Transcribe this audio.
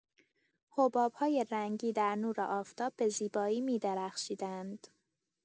حباب‌های رنگی در نور آفتاب به زیبایی می‌درخشیدند.